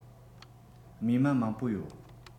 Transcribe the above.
རྨས མ མང པོ ཡོད